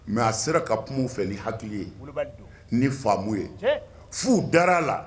Mɛ a sera ka kuma fɛ ni hakili ye ni faamu ye fuu da a la